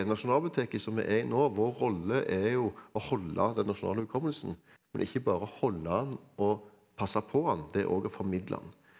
Nasjonalbiblioteket som vi er i nå vår rolle er jo å holde den nasjonale hukommelsen, men ikke bare holde han og passe på han, det er òg å formidle han.